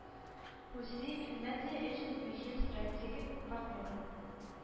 Русия Финляндия өчен мөһим стратегик партнер